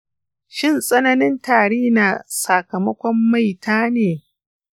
shin tsananin tari na sakamakon maita ne?